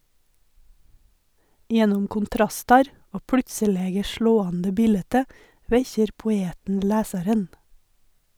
Gjennom kontrastar og plutselege slåande bilete vekkjer poeten lesaren.